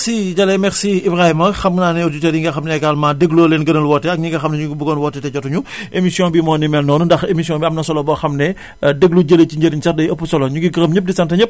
merci Jalle merci Ibrahima xam naa ne auditeur yi nga xam ne également dégloo leen gënal woote ak ñi nga xam ne ñu ngi bëggoon woote te jotuñu émission bi moo ni mel noonu ndax émision am na solo boo xam ne déglu jëlee si njëriñ sax day ëpp solo énu ngi gërëm ñépp di sant ñépp